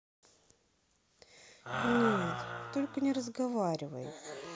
нет только не разговаривай